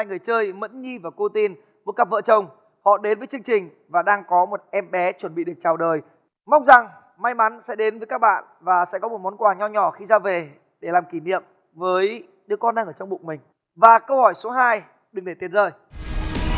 người chơi mẫn nhi và cô tin một cặp vợ chồng họ đến với chương trình và đang có một em bé chuẩn bị được chào đời mong rằng may mắn sẽ đến với các bạn và sẽ có một món quà nho nhỏ khi ra về để làm kỷ niệm với đứa con đang ở trong bụng mình và câu hỏi số hai đừng để tiền rơi